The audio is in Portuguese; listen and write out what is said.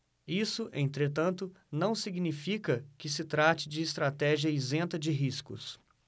isso entretanto não significa que se trate de estratégia isenta de riscos